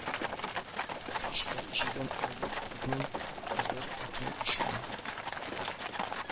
Саша да җирдән аерылып кызның күзләре артыннан оча